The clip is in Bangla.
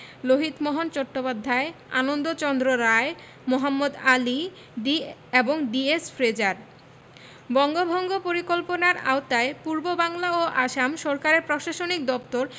লহিতমোহন চট্টোপাধ্যায় আনন্দচন্দ্র রায় মোহাম্মদ আলী ডি এবং ডি.এস. ফ্রেজার বঙ্গভঙ্গ পরিকল্পনার আওতায় পূর্ববাংলা ও আসাম সরকারের প্রশাসনিক দপ্তর